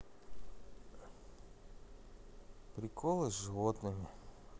приколы с животными